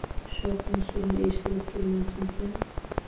shovqin suron eshitilib turmasmikan